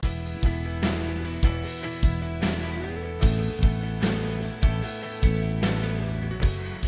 music